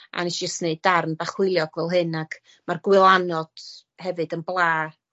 A neshi jyst neud darn bach hwyliog fel hyn ag, ma'r gwylanod hefyd yn bla